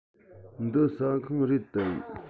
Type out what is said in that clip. འདི ཟ ཁང རེད དམ